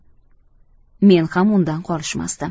men ham undan qolishmasdim